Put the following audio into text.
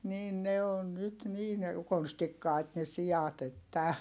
niin ne on nyt niin konstikkaita ne siat että